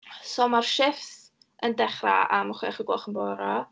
So ma'r shiffts yn dechrau am chwech o'r gloch yn bore.